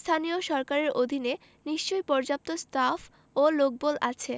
স্থানীয় সরকারের অধীনে নিশ্চয়ই পর্যাপ্ত স্টাফ ও লোকবল আছে